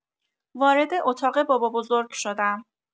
وارد اتاق بابابزرگ شدم.